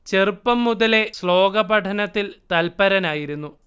ചെറുപ്പം മുതലേ ശ്ലോക പഠനത്തിൽ തൽപരനായിരുന്നു